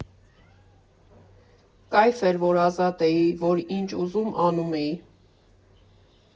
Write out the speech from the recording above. Կայֆ էր, որ ազատ էի, որ ինչ ուզում, անում էի։